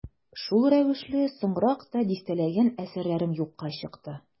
Шул рәвешле соңрак та дистәләгән әсәрләрем юкка чыкты.